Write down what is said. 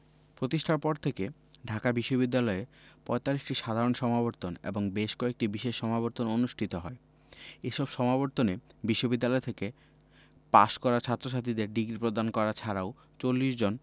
প্রতিষ্ঠার পর থেকে ঢাকা বিশ্ববিদ্যালয়ে ৪৫টি সাধারণ সমাবর্তন এবং বেশ কয়েকটি বিশেষ সমাবর্তন অনুষ্ঠিত হয় এসব সমাবর্তনে বিশ্ববিদ্যালয় থেকে পাশ করা ছাত্রছাত্রীদের ডিগ্রি প্রদান করা ছাড়াও ৪০ জন